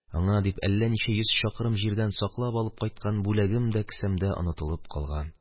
Аңа дип әллә ничә йөз чакрым җирдән саклап алып кайткан бүләгем дә кесәмдә онытылып калган.